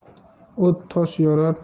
o't tosh yorar